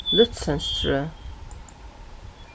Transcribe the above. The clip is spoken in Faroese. lützenstrøð